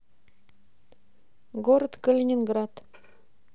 город калининград